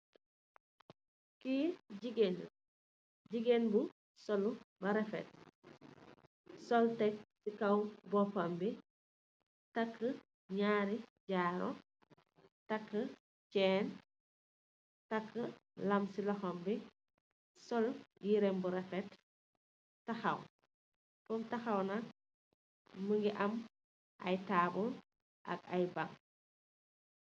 Kii jigéen la, jigéen bu sollu ba rafet, sol Tek si boopam bi, takkë ñaari jaaru, taakë ceen, takkë, lam, sol yire bu rafet taxaw. Fum taxaw nak, mu ngi am taabul ak ay bañg.